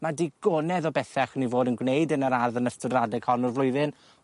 ma' digonedd o bethe allwn ni fod yn gwneud yn yr ardd yn ystod yr adeg hon o'r flwyddyn